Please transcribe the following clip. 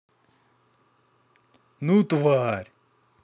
ну тварь